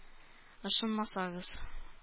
Ышанмасагыз